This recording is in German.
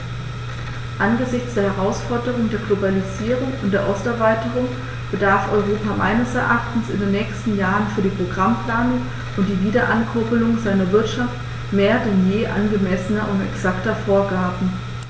Angesichts der Herausforderung der Globalisierung und der Osterweiterung bedarf Europa meines Erachtens in den nächsten Jahren für die Programmplanung und die Wiederankurbelung seiner Wirtschaft mehr denn je angemessener und exakter Vorgaben.